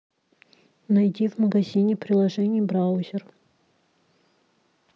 найди в магазине приложений браузер